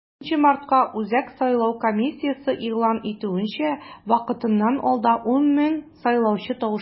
5 мартка, үзәк сайлау комиссиясе игълан итүенчә, вакытыннан алда 10 мең сайлаучы тавыш бирде.